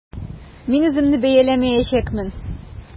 Мин үземне бәяләмәячәкмен.